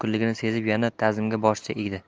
mumkinligini sezib yana tazimga bosh egdi